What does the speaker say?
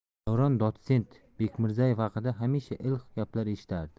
davron dotsent bekmirzaev haqida hamisha iliq gaplar eshitardi